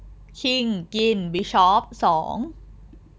คิงกินบิชอปสอง